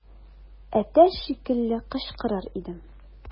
Әтәч шикелле кычкырыр идем.